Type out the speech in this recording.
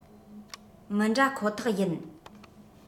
མི འདྲ ཁོ ཐག ཡིན